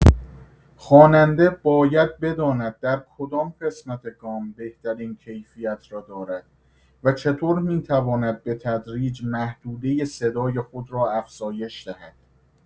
خواننده باید بداند در کدام قسمت گام بهترین کیفیت را دارد و چطور می‌تواند به‌تدریج محدوده صدای خود را افزایش دهد.